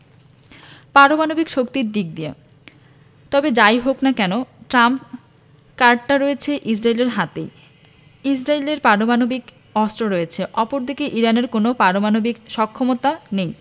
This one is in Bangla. পারমাণবিক শক্তির দিক দিয়ে তবে যা ই হোক না কেন ট্রাম্প কার্ডটা রয়েছে ইসরায়েলের হাতেই ইসরায়েলের পারমাণবিক অস্ত্র রয়েছে অপরদিকে ইরানের কোনো পারমাণবিক সক্ষমতা নেই